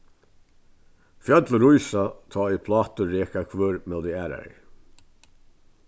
fjøll rísa tá ið plátur reka hvør móti aðrari